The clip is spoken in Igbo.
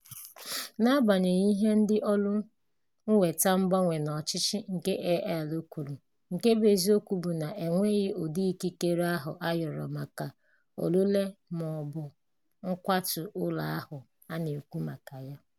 Na-agbaghenyị ihe ndị ọrụ mweta mgbanwe n'ọchịchị nke AL kwuru, nke bụ eziokwu bụ na e nweghị udị ikikere ahụ a rịọrọ maka orire ma ọ bu nkwatu ụlọ ahụ a na-ekwu maka ya.